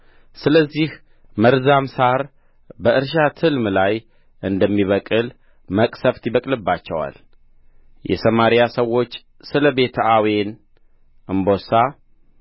ስለዚህ መርዛም ሣር በእርሻ ትልም ላይ እንደሚበቅል መቅሠፍት ይበቅልባቸዋል የሰማርያ ሰዎች ስለ ቤትአዌን እምቦሳ